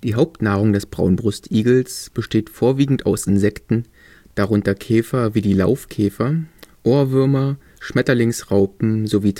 Hauptnahrung des Braunbrustigels besteht vorwiegend aus Insekten, darunter Käfer wie die Laufkäfer, Ohrwürmer, Schmetterlingsraupen, sowie